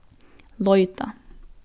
leita